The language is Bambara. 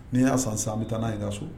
N'i y'a san n bɛ taa n'a i n ka so